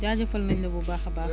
jaajëfal nañ la bu baax a baax